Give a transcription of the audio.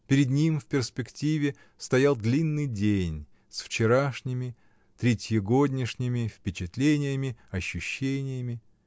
Перед ним, в перспективе, стоял длинный день, с вчерашними, третьегоднишними впечатлениями, ощущениями.